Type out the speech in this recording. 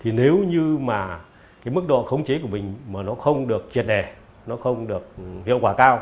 thì nếu như mà hiện mức độ khống chế của mình mà nó không được chia sẻ nó không được hiệu quả cao